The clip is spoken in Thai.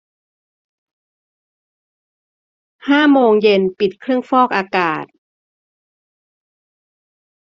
ห้าโมงเย็นปิดเครื่องฟอกอากาศ